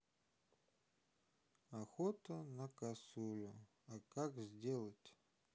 охота на косулю а как сделать